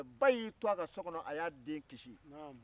ba y'i to a ka so kɔnɔ k'a den kisi